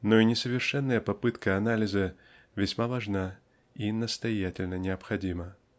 Но и несовершенная попытка анализа весьма важна и настоятельно необходима.